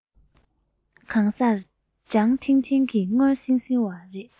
གང སར ལྗང ཐིང ཐིང དང སྔོ སིལ སིལ རེད